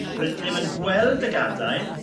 Rydym yn yn gweld y gadair